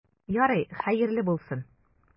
Ярый, хәерле булсын.